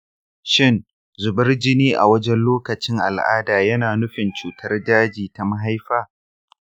shin zubar jini a wajen lokacin al'ada yana nufin cutar daji ta mahaifa?